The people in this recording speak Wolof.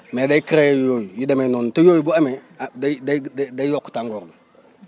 mais day créer yooyu yu demee noonu te yooyu bu amee ah day day day yokk tàngoor bi